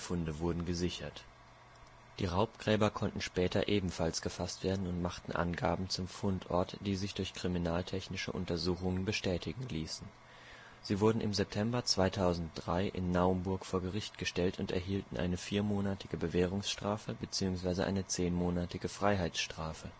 wurden gesichert. Die Raubgräber konnten später ebenfalls gefasst werden und machten Angaben zum Fundort, die sich durch kriminaltechnische Untersuchungen bestätigen ließen. Sie wurden im September 2003 in Naumburg vor Gericht gestellt und erhielten eine viermonatige Bewährungsstrafe bzw. eine zehnmonatige Freiheitsstrafe